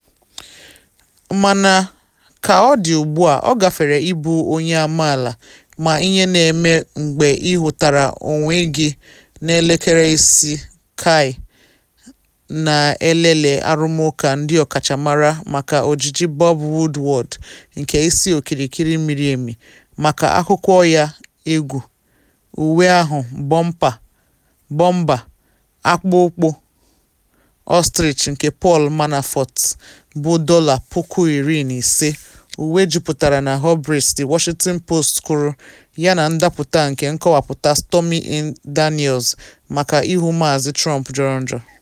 Mana ka ọ dị ugbua, ọ gafere ịbụ onye amaala ma ihe na eme mgbe ị hụtara onwe gị n’elekere isii kaị na-elele arụmụka ndị ọkachamara maka ojiji Bob Woodward nke isi “okirikiri miri emi” maka akwụkwọ ya “Egwu,” uwe ahụ bọmba akpụkpụ ostrich nke Paul Manafort bụ dọla puku iri na ise (“uwe juputara na hubris,” The Washington Post kwuru) yana ndapụta nke nkọwapụta Stormy Daniels maka ihu Maazị Trump jọrọ njọ.